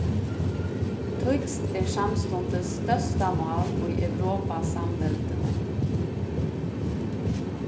týskt er samstundis størsta mál í europasamveldinum